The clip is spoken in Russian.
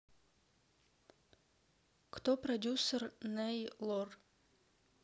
кто продюсер ней лор